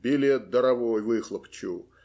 Билет даровой выхлопочу.